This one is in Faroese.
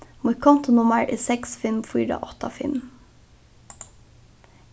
mítt kontunummar er seks fimm fýra átta fimm